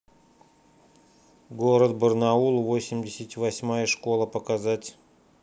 город барнаул восемьдесят восьмая школа показать